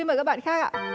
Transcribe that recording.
mời các bạn khác ạ